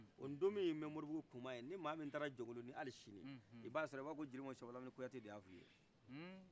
o ntomin bɛ mɔribugu kuma ye ni mɔgɔ min taara jɔnkoloni ali sini ib'a sɔrɔ ye i b'a fɔko jeli mamadu seba lamini kuyate de ya fɔ i ye